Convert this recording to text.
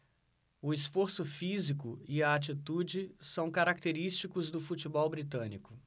o esforço físico e a atitude são característicos do futebol britânico